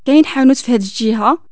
كأين حانوت فهاد جيهة